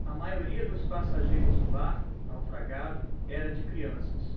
a maioria dos passageiros do barco naufragado era de crianças